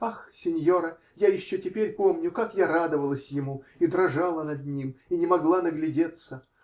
Ах, синьора, я еще теперь помню, как я радовалась ему, и дрожала над ним, и не могла наглядеться.